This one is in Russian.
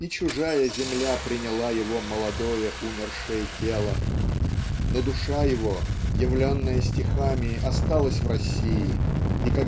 и чужая земля приняла его молодое умершее тело. Но душа его явленная стихами осталась в России и